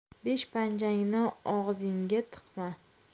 besh panjangni og'zingga tiqma